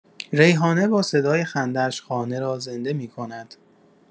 ریحانه با صدای خنده‌اش خانه را زنده می‌کند.